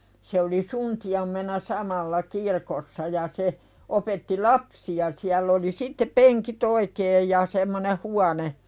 se oli suntiona samalla kirkossa ja se opetti lapsia siellä oli sitten penkit oikein ja semmoinen huone